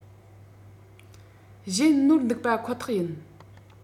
གཞན ནོར འདུག པ ཁོ ཐག ཡིན